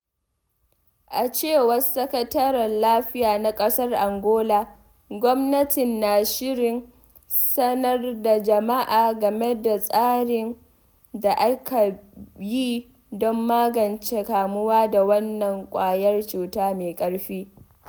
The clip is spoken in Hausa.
A cewar Sakataren Lafiya na ƙasar Angola, gwamnatin na shirin sanar da jama’a game da tsarin da aka yi don magance kamuwa da wannan ƙwayar cuta mai ƙarfi.